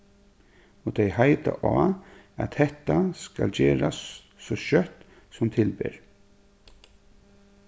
og tey heita á at hetta skal gerast so skjótt sum til ber